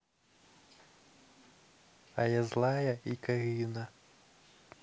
а я злая и карина